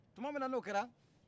tuma min na n'o kɛra